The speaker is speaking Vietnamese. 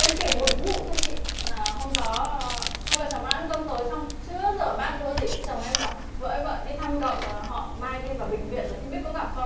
em kể một vụ thôi chị ạ là hôm đó hai vợ chồng đã ăn cơm tối xong chưa rửa bát gì chồng em bảo vợ ơi vợ đi thăm cậu họ mai đi vào bệnh viện rồi không biết có gặp không